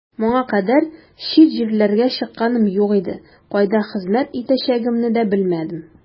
Моңа кадәр чит җирләргә чыкканым юк иде, кайда хезмәт итәчәгемне дә белмәдем.